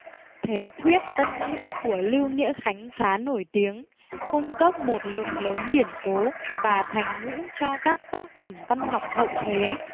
thế thuyết tân ngữ của lưu nghĩa khánh khá nổi tiếng cung cấp một lượng lớn điển cố và thành ngữ cho các tác phẩm văn học hậu thế